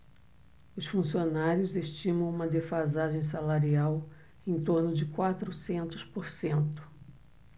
os funcionários estimam uma defasagem salarial em torno de quatrocentos por cento